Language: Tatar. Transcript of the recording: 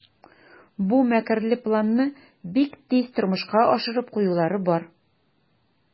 Бу мәкерле планны бик тиз тормышка ашырып куюлары бар.